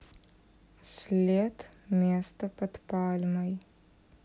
след место под пальмой